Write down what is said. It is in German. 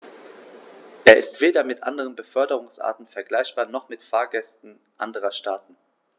Er ist weder mit anderen Beförderungsarten vergleichbar, noch mit Fahrgästen anderer Staaten.